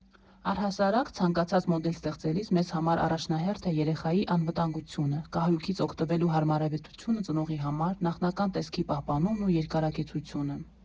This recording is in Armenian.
Առհասարակ, ցանկացած մոդել ստեղծելիս մեզ համար առաջնահերթ է երեխայի անվտանգությունը, կահույքից օգտվելու հարմարավետությունը ծնողի համար, նախնական տեսքի պահպանումն ու երկարակեցությունը։